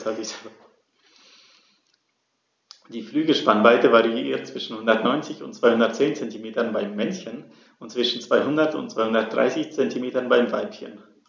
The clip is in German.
Die Flügelspannweite variiert zwischen 190 und 210 cm beim Männchen und zwischen 200 und 230 cm beim Weibchen.